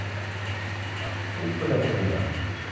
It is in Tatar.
Туп белән уйна.